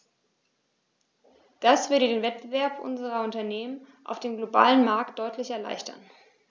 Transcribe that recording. Das würde den Wettbewerb unserer Unternehmen auf dem globalen Markt deutlich erleichtern.